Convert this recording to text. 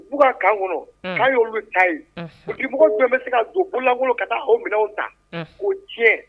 Uu ka kan kɔnɔ'' oluolu bɛ ta umɔgɔ tun bɛ se ka du kulankolo ka taa aw minɛw ta k' tiɲɛ